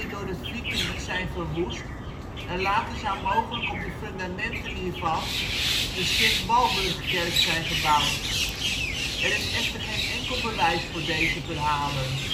door de Vikingen zijn verwoest en later zou mogelijk op de fundamenten hiervan de Sint-Walburgkerk zijn gebouwd. Er is echter geen enkel bewijs voor deze verhalen